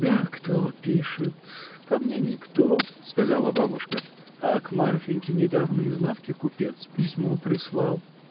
— Да кто пишет: ко мне никто, — сказала бабушка, — а к Марфиньке недавно из лавки купец письмо прислал.